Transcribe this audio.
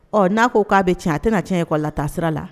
Ɔ n'a ko k' aa bɛ tiɲɛ a tɛna tiɲɛɲɛ kɔ la taasira la